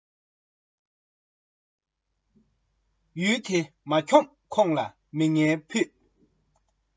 ལུ གུ མ འཁྱེར གོང ལ སྤྱང ཀི སྲུངས